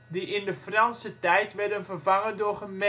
die in de Franse tijd werden vervangen door gemeenten